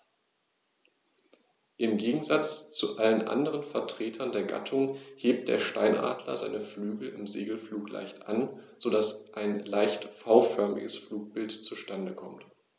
Im Gegensatz zu allen anderen Vertretern der Gattung hebt der Steinadler seine Flügel im Segelflug leicht an, so dass ein leicht V-förmiges Flugbild zustande kommt.